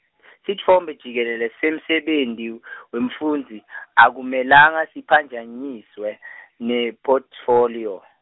sitfombe jikelele semsebenti , wemfundzi, akumelanga siphanjaniswe , nephothifoliyo.